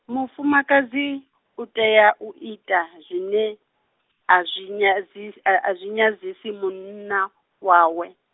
mufumakadzi, u tea u ita zwine, a zwi nyadzis-, a zwi nyadzisi munna, wawe.